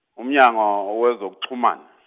uMnyango wezokuXhumana.